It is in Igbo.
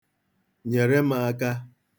Nyere m aka.